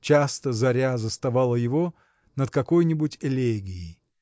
Часто заря заставала его над какой-нибудь элегией.